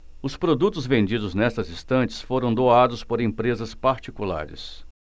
os produtos vendidos nestas estantes foram doados por empresas particulares